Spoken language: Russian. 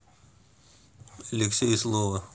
алексей слова